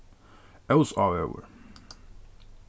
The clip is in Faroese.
ósávegur